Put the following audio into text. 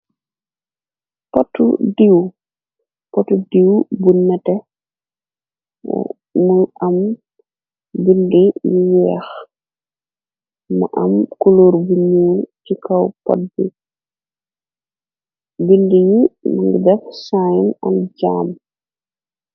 diwpotu diiw bu nate mu am bindi yu yeex ma am kuluor bu ñuul ci kaw pot bi bindi yi li def syn oon jaam